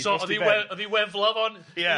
So o'dd 'i we- odd 'i wefla fo'n... Ia.